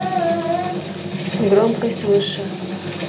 громкость выше